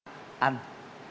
ăn